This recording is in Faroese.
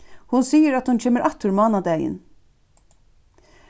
hon sigur at hon kemur aftur mánadagin